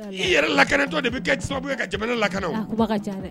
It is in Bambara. I yɛrɛ lakanatɔ de be kɛ s sababuye ka jamana lakana o a kuma ka can dɛ